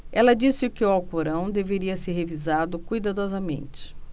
ela disse que o alcorão deveria ser revisado cuidadosamente